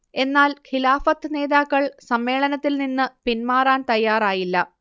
എന്നാൽ ഖിലാഫത്ത് നേതാക്കൾ സമ്മേളനത്തിൽ നിന്ന് പിന്മാറാൻ തയാറായില്ല